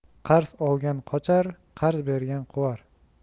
qarz olgan qochar qarz bergan quvar